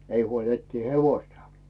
ei huoli etsiä hevosta